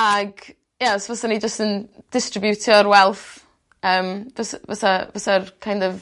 Ag ie os fyswn ni jys yn distributio'r wealth yym fys- fysa fysa'r kin' of